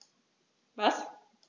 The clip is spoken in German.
Was?